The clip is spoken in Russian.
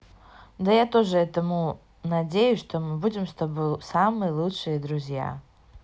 да я тоже этому надеюсь что мы будем с тобой самые лучшие друзья